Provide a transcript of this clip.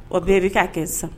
Ɔ bɛɛ bɛ ka kɛ sisan